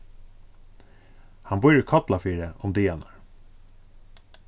hann býr í kollafirði um dagarnar